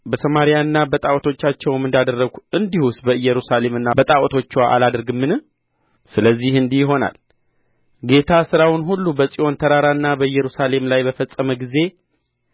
በሰማርያና በጣዖቶችዋም እንዳደረግሁ እንዲሁስ በኢየሩሳሌምና በጣዖቶችዋ አላደርግምን ስለዚህ እንዲህ ይሆናል ጌታ ሥራውን ሁሉ በጽዮን ተራራና በኢየሩሳሌም ላይ በፈጸመ ጊዜ